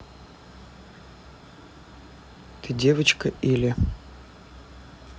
ты девочка или